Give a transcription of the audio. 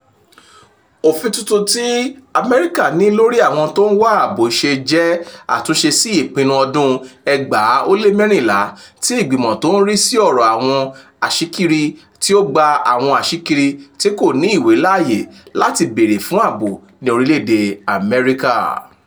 Òfin titun tí US ní lórí àwọn tó ń wá ààbò ṣe jẹ́ àtúnṣe sí ipinnu ọdún 2014 tí ìgbìmọ̀ tó ń rí sí ọ̀rọ̀ àwọn aṣíkiri tí ó gba àwọn aṣíkiri tí kò ní ìwé láyè láti bèèrè fún ààbò ní orílẹ̀èdè US.